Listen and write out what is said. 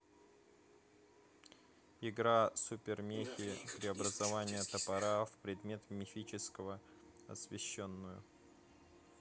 игра супермехи преобразование топора в предмет мифического освещенную